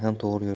ham to'g'ri yur